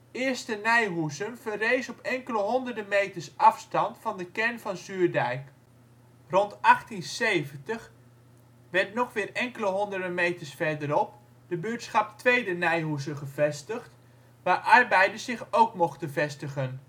1e Nijhoezen verrees op enkele honderden meters afstand van de kern van Zuurdijk. Rond 1870 werd nog weer enkele honderden meters verderop de buurtschap 2e Nijhoezen gevestigd, waar arbeiders zich ook mochten vestigen